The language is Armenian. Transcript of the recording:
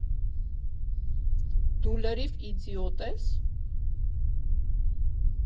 Դու լրիվ իձիոտ ե՞ս։